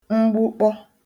mgbukpọ